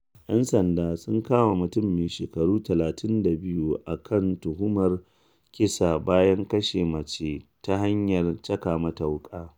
‘Yan sanda sun kama mutum, mai shekaru 32, a kan tuhumar kisa bayan kashe mace ta hanyar caka mata wuƙa